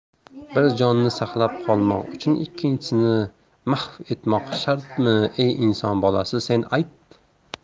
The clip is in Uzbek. bir jonni saqlab qolmoq uchun ikkinchisini mahv etmoq shartmi ey inson bolasi sen ayt